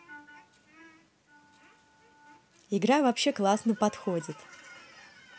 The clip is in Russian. игра вообще классно подходит